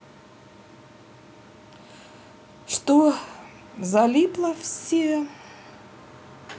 что залипла все